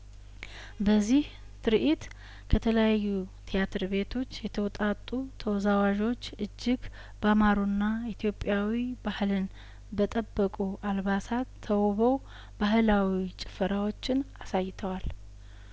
በዚህ ትርኢት ከተለያዩ ትያትር ቤቶች የተውጣጡ ተወዛዋዦች እጅግ ባማሩና ኢትዮጵያዊ ባህልን በጠበቁ አልባሳት ተውበው ባህላዊ ጭፈራዎችን አሳይተዋል